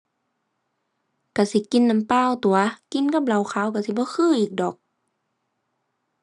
ก็สิกินน้ำเปล่าตั่ว กินกับเหล้าขาวก็สิบ่คืออีกดอก